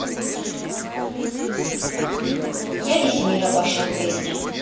я весь мир обошел песня